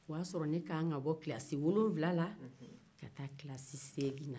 o y'a sɔrɔ ne kan ka bɔ kilasi wolonwula la ka taa kilasi segin na